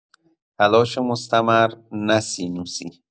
تلاش مستمر، نه سینوسی